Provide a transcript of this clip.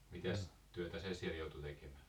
mitäs työtä se siellä joutui tekemään